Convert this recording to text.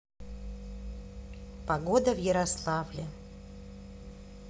погода в ярославле